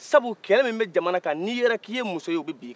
sabu kɛlɛ min bɛ jamana kan n'i yera k'i ye muso ye u bɛ bin i kan